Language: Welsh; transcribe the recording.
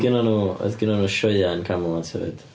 Gennyn nhw... Oedd gennyn nhw sioeau yn Camelot hefyd.